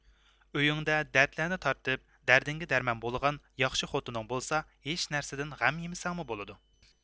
ئۆيۈڭدە دەردلەرنى تارتىپ دەردىڭگە دەرمان بولىدىغان ياخشى خوتۇنۇڭ بولسا ھېچ نەرسىدىن غەم يېمىسەڭمۇ بولىدۇ